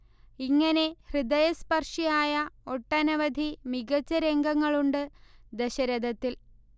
ഇങ്ങനെ ഹൃദയസ്പർശിയായ ഒട്ടനവധി മികച്ച രംഗങ്ങളുണ്ട് ദശരഥത്തിൽ